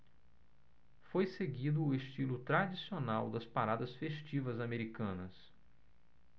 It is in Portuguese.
foi seguido o estilo tradicional das paradas festivas americanas